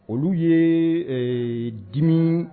Olu ye ee dimi